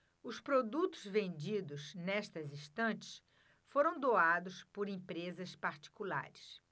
os produtos vendidos nestas estantes foram doados por empresas particulares